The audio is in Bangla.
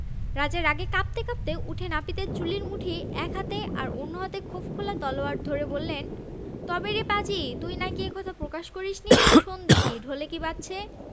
রাজা রাগে কাঁপতে কাঁপতে উঠে নাপিতের চুলের মুঠি এক হাতে আর অন্য হাতে খাপ খোলা তরোয়াল ধরে বললেন– তবে রে পাজি তুই নাকি এ কথা প্রকাশ করিসনি শোন দেখি ঢোলে কী বাজছে